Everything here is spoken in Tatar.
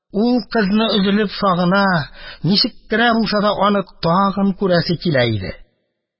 Ул кызны өзелеп сагына, ничек кенә булса да аны тагын күрәсе килә иде.